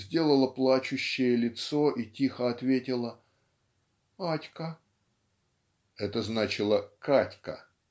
сделала плачущее лицо и тихо ответила "Атька. " Это значило: "Катька".